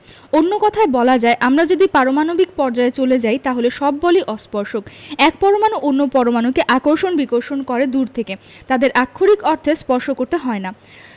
অন্য কথায় বলা যায় আমরা যদি পারমাণবিক পর্যায়ে চলে যাই তাহলে সব বলই অস্পর্শক এক পরমাণু অন্য পরমাণুকে আকর্ষণ বিকর্ষণ করে দূর থেকে তাদেরকে আক্ষরিক অর্থে স্পর্শ করতে হয় না